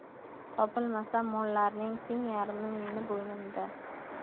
topilmasa mollarning teng yarmi mening bo'ynimda